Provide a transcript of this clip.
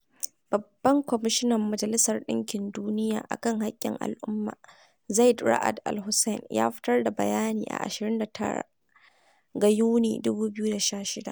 Babban kwamishinan Majalisar ɗinkin Duniya a kan haƙƙin al'umma, Zeid Ra'ad Al Hussein ya fitar da bayani a 29 ga Yuni, 2016.